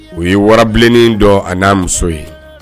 O ye warabilennen dɔ a n'a muso ye